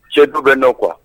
Cɛ du bɛ dɔn kuwa